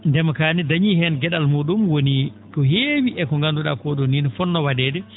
ndema kaa ne dañii heen ge?al mu?um woni ko heewi e ko ngandu?aa ko?onii no fonnoo wa?eede